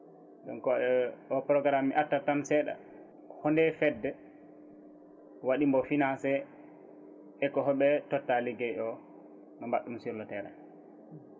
donc programme mi artat tan seeɗa hoode fedde waɗimo financé eko hooɓe totta ligguey o mo mbaɗen sur le terrain